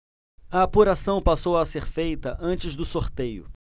a apuração passou a ser feita antes do sorteio